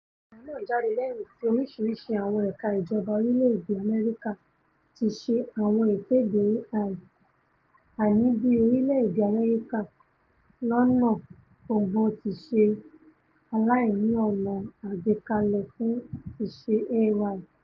Àwọn ọ̀rọ náà jáde lẹ́yìn tí oríṣiríṣi àwọn ẹ̀ka ìjọba orílẹ̀-èdè U.S. tiṣe àwọn ìkéde AI, àní bíi orílẹ̀-èdè U.S. lọ́nà gbogbo tisẹ aláìní ọ̀nà àgbékalẹ̀ fun àtiṣe AI.